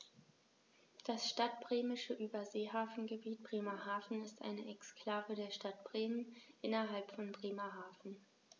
Das Stadtbremische Überseehafengebiet Bremerhaven ist eine Exklave der Stadt Bremen innerhalb von Bremerhaven.